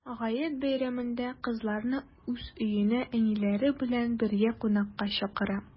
Гает бәйрәмендә кызларны уз өенә әниләре белән бергә кунакка чакыра.